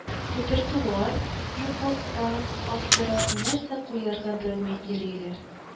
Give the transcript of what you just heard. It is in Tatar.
Репертуар юклыктан аптырап, нәрсә куярга белми йөриләр